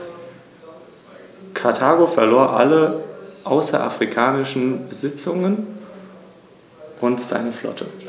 Hannibal nahm den Landweg durch das südliche Gallien, überquerte die Alpen und fiel mit einem Heer in Italien ein, wobei er mehrere römische Armeen nacheinander vernichtete.